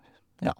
Ja.